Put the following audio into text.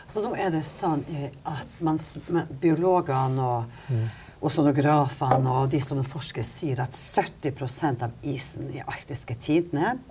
så nå er det sånn at man biologene og oseanografene og de som forsker sier at 70% av isen i Arktis er tint ned.